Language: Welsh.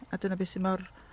A dyna beth sy mor...